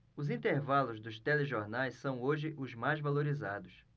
os intervalos dos telejornais são hoje os mais valorizados